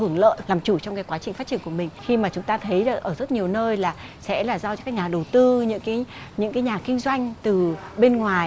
lợi làm chủ trong quá trình phát triển của mình khi mà chúng ta thấy ở rất nhiều nơi là sẽ là giao cho nhà đầu tư nhật ký những cái nhà kinh doanh từ bên ngoài